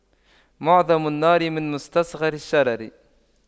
معظم النار من مستصغر الشرر